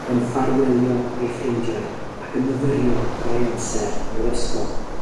Mae'n ffarwelio a'i ffrindiau, ac yn myfyrio ar ei amser yn yr ysgol.